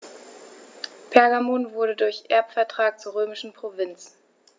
Pergamon wurde durch Erbvertrag zur römischen Provinz.